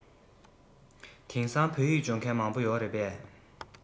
དེང སང བོད ཡིག སྦྱོང མཁན མང པོ ཡོད རེད པས